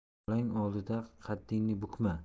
bolang oldida qaddingni bukma